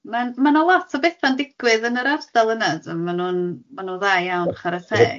ma'n ma' na lot o betha'n digwydd yn yr ardal yna tibod ma' nhw'n ma' nhw'n dda iawn chwara teg.